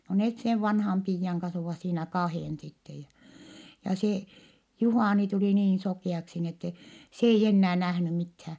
no ne sen vanhan piian kanssa ovat siinä kahden sitten ja ja se Juhani tuli niin sokeaksi niin että se ei enää nähnyt mitään